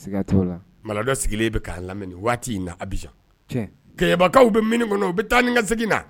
Sigilen lam waati kebagakaw bɛ kɔnɔ u bɛ taa ni ka segin na